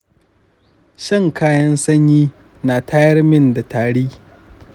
shan kayan sanyi na tayar min da tari.